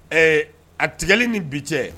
Ɛɛ a tigɛli ni bi cɛ